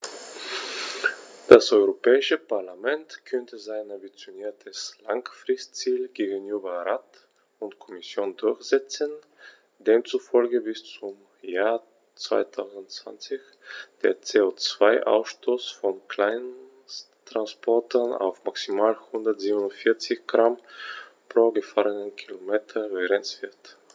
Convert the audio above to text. Das Europäische Parlament konnte sein ambitioniertes Langfristziel gegenüber Rat und Kommission durchsetzen, demzufolge bis zum Jahr 2020 der CO2-Ausstoß von Kleinsttransportern auf maximal 147 Gramm pro gefahrenem Kilometer begrenzt wird.